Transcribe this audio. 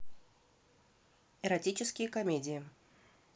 эротические комедии